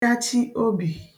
kachi obì